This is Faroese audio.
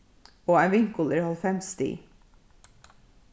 og ein vinkul er hálvfems stig